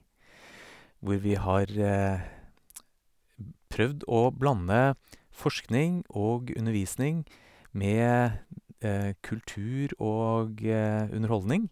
Hvor vi har prøvd å blande forskning og undervisning med kultur og underholdning.